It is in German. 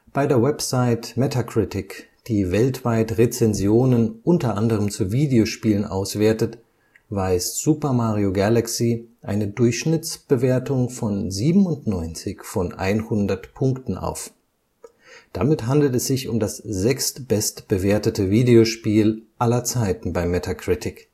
Bei der Website Metacritic, die weltweit Rezensionen unter anderem zu Videospielen auswertet, weist Super Mario Galaxy eine Durchschnittswertung von 97 von 100 Punkten auf. Damit handelt es sich um das sechstbestbewertete Videospiel aller Zeiten bei Metacritic